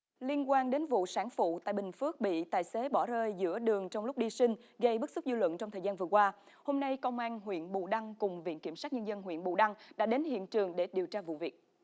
liên quan đến vụ sản phụ tại bình phước bị tài xế bỏ rơi giữa đường trong lúc đi sinh gây bức xúc dư luận trong thời gian vừa qua hôm nay công an huyện bù đăng cùng viện kiểm sát nhân dân huyện bù đăng đã đến hiện trường để điều tra vụ việc